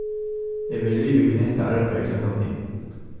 eg verði liðug við hetta arbeiðið klokkan fimm